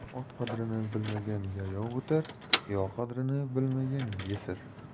ot qadrini bilmagan yayov o'tar yor qadrini bilmagan yesir